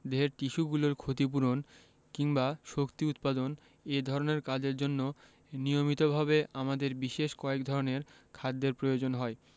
দেহের টিস্যুগুলোর ক্ষতি পূরণ কিংবা শক্তি উৎপাদন এ ধরনের কাজের জন্য নিয়মিতভাবে আমাদের বিশেষ কয়েক ধরনের খাদ্যের প্রয়োজন হয়